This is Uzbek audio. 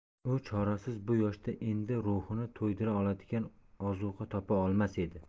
u chorasiz bu yoshda endi ruhini to'ydira oladigan ozuqa topa olmas edi